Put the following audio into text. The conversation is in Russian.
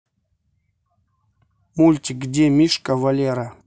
мультик где мишка валера